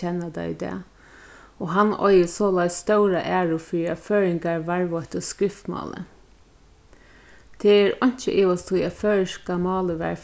kenna tað í dag og hann eigur soleiðis stóra æru fyri at føroyingar varðveittu skriftmálið tað er einki at ivast í at føroyska málið var